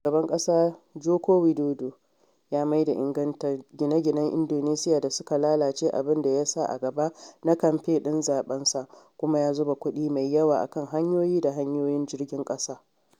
Shugaba Ƙasa Joko Widodo ya maida inganta gine-ginen Indonesiya da suka lalace abin da ya sa a gaba na kamfe ɗin zaɓensa, kuma ya zuba kuɗi mai yawa a kan hanyoyi da hanyoyin jirgin ƙasa.